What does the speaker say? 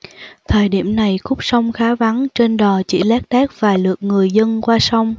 thời điểm này khúc sông khá vắng trên đò chỉ lác đác vài lượt người dân qua sông